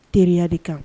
Teriya de kan